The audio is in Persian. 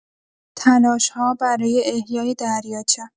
تلاش‌ها برای احیای دریاچه